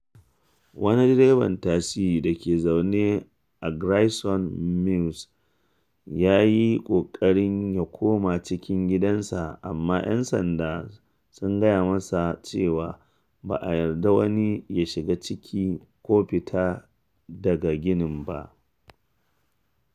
Wani direban tasi da ke zaune a Grayson Mews ya yi ƙoƙarin ya koma cikin gidansa amma ‘yan sanda sun gaya masa cewa ba a yarda wani ya shiga ciki ko fita daga ginin ba.